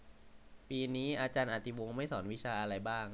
ปีนี้อาารย์อติวงศ์ไม่สอนวิชาอะไรบ้าง